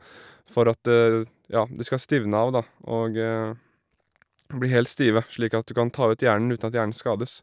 For at, ja, de skal stivne av, da, og bli helt stive, slik at du kan ta ut hjernen uten at hjernen skades.